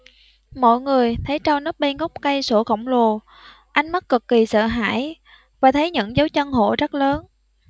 mọi người thấy trâu núp bên gốc cây sổ khổng lồ ánh mắt cực kỳ sợ hãi và thấy những dấu chân hổ rất lớn